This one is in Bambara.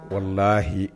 Wala lahi